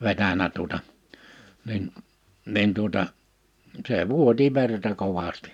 vetänyt tuota niin niin tuota se vuoti verta kovasti